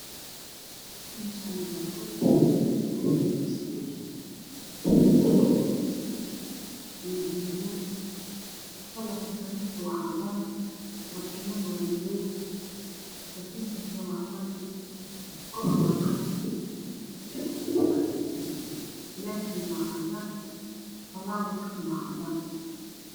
Meeshan waa qol waxaa yaalo sariir iyo barkin iyo daahman kalarka sariirta waa cadaan barkimaha waa madoow barkinta kale waa qalin go'a waa qalin daaha waacadees leerkana waa cadaan falaawarkana waa cadaan